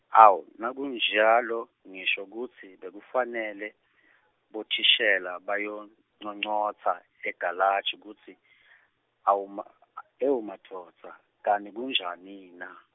awu nakunjalo, ngisho kutsi, bekufanele , bothishela bayonconcotsa egalaji kutsi, awu ma- ewumadvodza kani kunjanina.